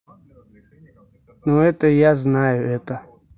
ну это я знаю это